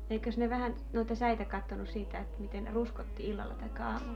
eikös ne vähän noita säitä katsonut siitä että miten ruskotti illalla tai aamulla